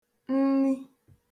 nni